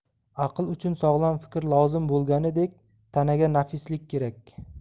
aql uchun sog'lom fikr lozim bo'lganidek tanaga nafislik kerak